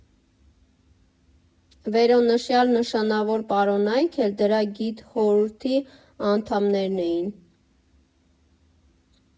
Վերոնշյալ նշանավոր պարոնայք էլ դրա գիտխորհրդի անդամներն էին։